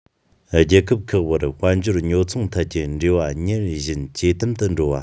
རྒྱལ ཁབ ཁག བར དཔལ འབྱོར ཉོ ཚོང ཐད ཀྱི འབྲེལ བ ཉིན རེ བཞིན ཇེ དམ དུ འགྲོ བ